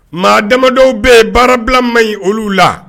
Maa damadɔw bɛ ye baarabila maɲi olu la